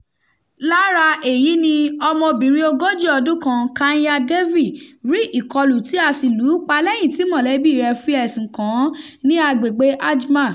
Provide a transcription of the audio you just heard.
Lára èyí ni, ọmọbìnrin ogójì ọdún kan Kanya Devi rí ìkọlù tí a sì lù ú pa lẹ́yìn tí mọ̀lẹ́bíi rẹ̀ fi ẹ̀sùn kàn án ní agbègbèe Ajmer.